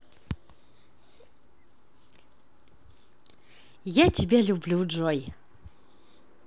я тебя люблю джой